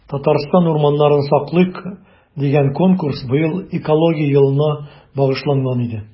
“татарстан урманнарын саклыйк!” дигән конкурс быел экология елына багышланган иде.